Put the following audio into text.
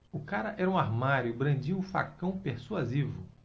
o cara era um armário e brandia um facão persuasivo